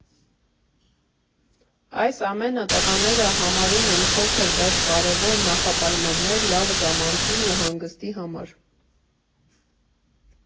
Այս ամենը տղաները համարում են փոքր բայց կարևոր նախապայմաններ լավ ժամանցի ու հանգստի համար։